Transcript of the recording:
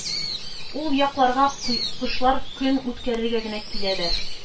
Ул якларга кошлар көн үткәрергә генә киләләр.